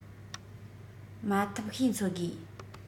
མ ཐབས ཤེས འཚོལ དགོས